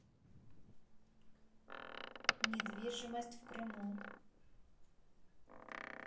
недвижимость в крыму